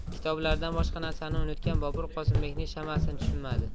kitoblardan boshqa narsani unutgan bobur qosimbekning shamasini tushunmadi